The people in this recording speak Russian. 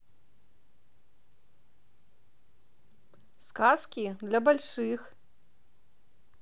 сказки для больших